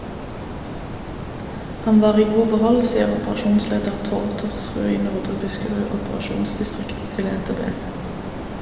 Han var i god behold, sier operasjonsleder Thov Thorsrud i Nordre Buskerud operasjonsdistrikt til NTB.